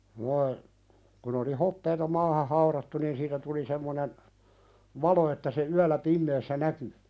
nuo kun oli hopeaa maahan haudattu niin siitä tuli semmoinen valo että se yöllä pimeässä näkyy